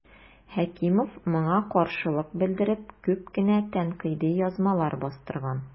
Хәкимов моңа каршылык белдереп күп кенә тәнкыйди язмалар бастырган.